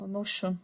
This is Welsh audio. ...o emosiwn.